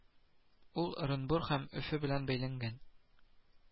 Ул Ырынбур һәм Өфе белән бәйләнгән